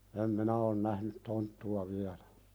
en minä ole nähnyt tonttua vielä